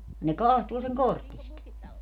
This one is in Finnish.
ne katsoo sen korteista